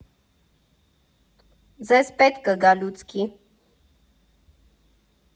Ձեզ պետք կգա լուցկի։